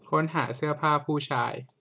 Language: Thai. ค้นหาเสื้อผ้าผู้ชาย